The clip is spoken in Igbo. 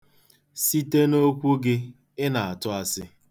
Site n'okwu gị, ị na-atụ asị.